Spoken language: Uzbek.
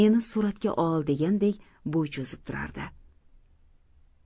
meni suratga ol degandek bo'y cho'zib turardi